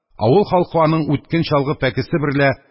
Авыл халкы аның үткен чалгы пәкесе берлә